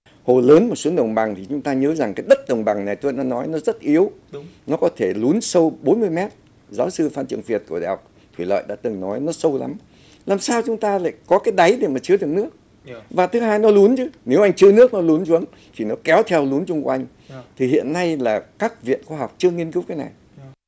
hồ lớn xuống đồng bằng thì chúng ta nhớ rằng cái đất đồng bằng này tôi đã nói rất yếu nó có thể lún sâu bốn mươi mét giáo sư phan triệu việt của đại học thủy lợi đã từng nói nước sâu lắm làm sao chúng ta lại có cái đáy để chứa đựng nước và thứ hai nó lún chứ nếu anh chứa nước và lún xuống thì nó kéo theo lún chung quanh thì hiện nay là các viện khoa học chưa nghiên cứu cái này